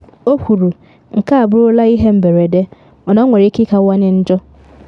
O kwuru “nke a abụrụla ihe mberede, mana ọ nwere ike ịkawanye njọ,”.